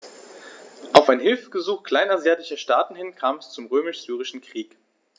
Auf ein Hilfegesuch kleinasiatischer Staaten hin kam es zum Römisch-Syrischen Krieg.